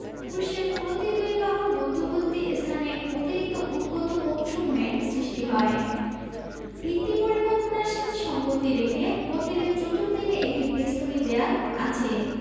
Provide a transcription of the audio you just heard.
ক্রুশের প্রতি দুই বাহুর মধ্যবর্তী স্থানে অতিরিক্ত উদ্গত কোণসমূহের সৃষ্টি হয় ভিত্তি পরিকল্পনার সাথে সঙ্গতি রেখে মন্দিরের চতুর্দিকে একটি বেষ্টনী দেয়াল আছে